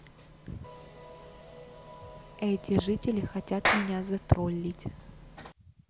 эти жители хотят меня затроллить